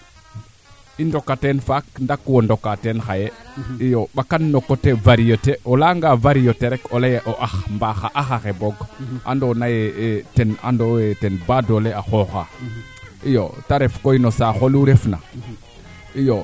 keene fop a ref'u periode kaa ando naye o sereer kaa dam'u den a paax sereer yit fo meete waag ina ref kaa leyoogu yee o ngoolo nge de leyaa o ngool a tuup